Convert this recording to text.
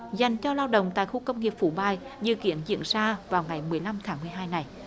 dành cho lao động tại khu công nghiệp phú bài dự kiến diễn ra vào ngày mười lăm tháng mười hai này